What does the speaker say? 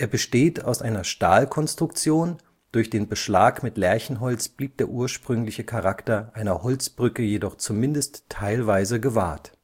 besteht aus einer Stahlkonstruktion, durch den Beschlag mit Lärchenholz blieb der ursprüngliche Charakter einer Holzbrücke jedoch zumindest teilweise gewahrt